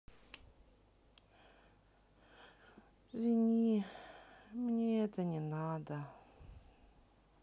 извини мне это не надо